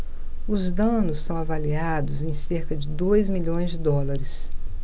os danos são avaliados em cerca de dois milhões de dólares